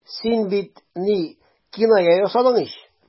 Син бит... ни... киная ясадың ич.